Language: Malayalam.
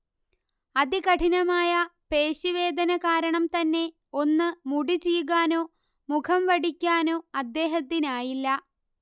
അതികഠിനമായ പേശി വേദന കാരണം തന്നെ ഒന്ന് മുടി ചീകാനോ മുഖം വടിക്കാനൊ അദ്ദേഹത്തിനായില്ല